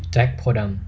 แจ็คโพธิ์ดำ